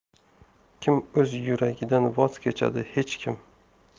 kim o'z yuragidan voz kechadi hech kim